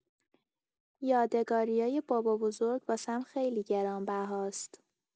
یادگاریای بابابزرگ واسم خیلی گرانبهاست.